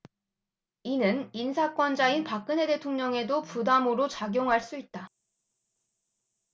이는 인사권자인 박근혜 대통령에게도 부담으로 작용할 수 있다